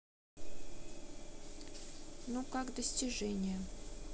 ну как достижение